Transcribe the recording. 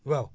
waaw